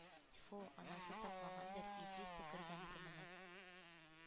Тьфу, анасы тапмагандыр, Иблис төкергәндер моны!..